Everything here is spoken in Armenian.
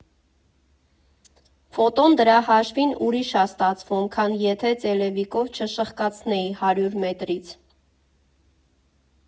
Ֆոտոն դրա հաշվին ուրիշ ա ստացվում, քան եթե ծելեվիկով չխկացնեի հարյուր մետրից։